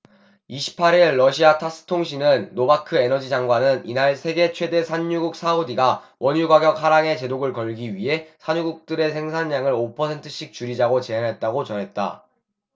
이십 팔 일 러시아 타스 통신은 노바크 에너지장관은 이날 세계 최대 산유국 사우디가 원유가격 하락에 제동을 걸기 위해 산유국들에 생산량을 오 퍼센트씩 줄이자고 제안했다고 전했다